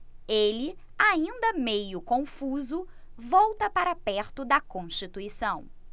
ele ainda meio confuso volta para perto de constituição